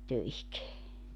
töihin